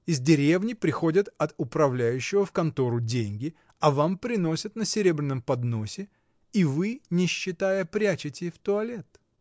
Из деревни приходят от управляющего в контору деньги, а вам приносят на серебряном подносе, и вы, не считая, прячете в туалет.